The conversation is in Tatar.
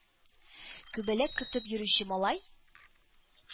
Күбәләк тотып йөрүче малай